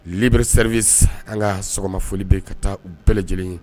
Librisri an ka sɔgɔma foli bɛ ka taa u bɛɛ lajɛlen ye